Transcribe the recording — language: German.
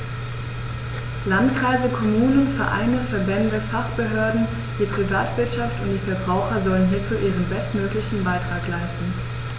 Landkreise, Kommunen, Vereine, Verbände, Fachbehörden, die Privatwirtschaft und die Verbraucher sollen hierzu ihren bestmöglichen Beitrag leisten.